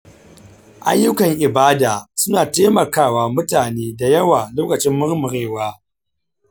ayyukan ibada suna taimaka wa mutane da yawa a lokacin murmurewa.